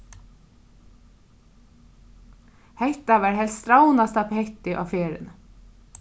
hetta var helst strævnasta pettið á ferðini